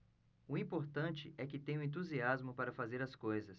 o importante é que tenho entusiasmo para fazer as coisas